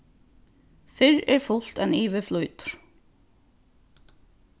fyrr er fult enn yvir flýtur